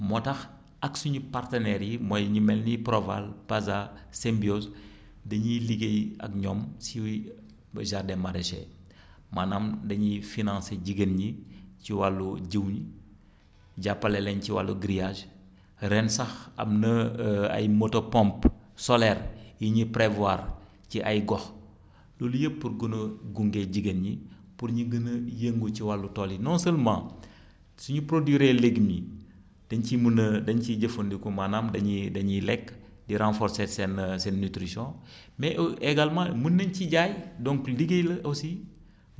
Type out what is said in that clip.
moo tax ak suñu partenaires yi mooy ñi mel ni Proval PAZA Symbiose dañuy liggéeyee ak ñoom si genre des maraicher maanaam dañuy financé jigéen ñi ci wàllu jiwu ñi jàppale leen ci wàllu grillage ren sax am na ay moto pompes solaires yi ñu prévoir ci ay gox loolu yépp pour gën a gunge jigéen ñi pour ñu gën a yëngu ci wàllu tool yi non seulement su ñu produire légume yi dañu ciy mën a dañ ciy jëfandiku maanaam dañuy dañuy lekk di renforcer seen seen nutrition mais également mën nañ ci jaay donc liggéey la aussi